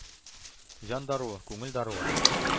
Җан даруы, күңел даруы.